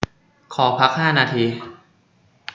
ขอพักห้านาที